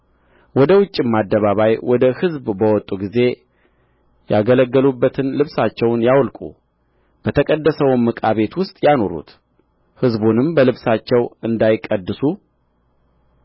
ወደ ውጭውም አደባባይ ወደ ሕዝብ በወጡ ጊዜ ያገለገሉበትን ልብሳቸውን ያውልቁ በተቀደሰውም ዕቃ ቤት ውስጥ ያኑሩት ሕዝቡንም በልብሳቸው እንዳይቀድሱ